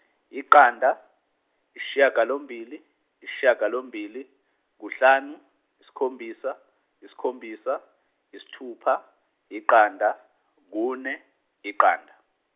iqanda isishiyagalombili isishiyagalombili kuhlanu isikhombisa isikhombisa isithupha iqanda kune iqanda.